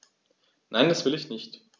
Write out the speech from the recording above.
Nein, das will ich nicht.